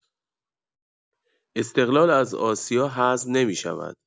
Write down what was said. استقلال از آسیا حذف نمی‌شود.